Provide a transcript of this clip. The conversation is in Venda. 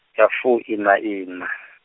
ya fuiṋaiṋa.